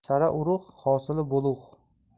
sara urug' hosili bo'lug'